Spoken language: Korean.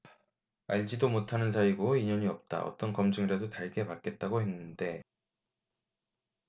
알지도 못하는 사이고 인연이 없다 어떤 검증이라도 달게 받겠다고 했는데